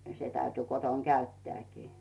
se täytyi kotona käyttääkin